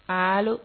Allo